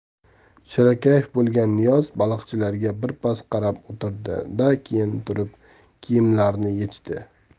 shirakayf bo'lgan niyoz baliqchilarga birpas qarab o'tirdi da keyin turib kiyimlarini yechdi